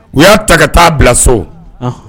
U y'a ta ka taa bila so